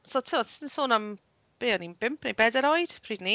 So tibod, os ti'n sôn am... be, o'n i'n bump neu bedair oed pryd 'ny?